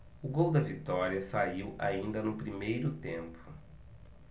o gol da vitória saiu ainda no primeiro tempo